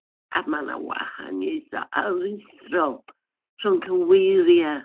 A ma' 'na wahaniaethau aruthrol rhwng cyweiriau.